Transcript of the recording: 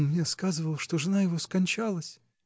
-- Он мне сказывал, что жена его скончалась.